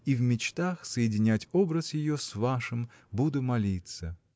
и в мечтах соединять образ ее с вашим буду молиться.